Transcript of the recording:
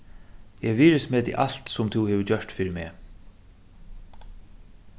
eg virðismeti alt sum tú hevur gjørt fyri meg